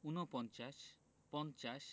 ৪৯ উনপঞ্চাশ ৫০ পঞ্চাশ